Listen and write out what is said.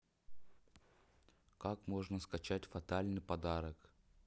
как можно скачать фатальный подарок